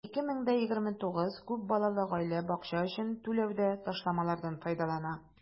229 күп балалы гаилә бакча өчен түләүдә ташламалардан файдалана.